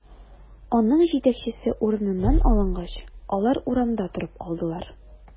Аның җитәкчесе урыныннан алынгач, алар урамда торып калдылар.